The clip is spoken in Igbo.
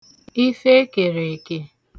ife ekèrè èkè